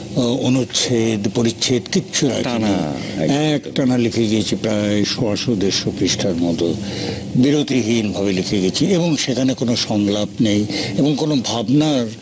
অনুচ্ছেদ পরিচ্ছেদ কিচ্ছু রাখিনি টানা একটানে লিখে গিয়েছে প্রায় সোয়াশো দেড়শ পৃষ্ঠার মত বিরতিহীন ভাবে লিখে গেছি এবং সেখানে কোনো সংলাপ নেই এবং কোন ভাবনার